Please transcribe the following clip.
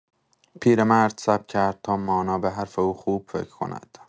پیرمرد صبر کرد تا مانا به حرف او خوب فکر کند!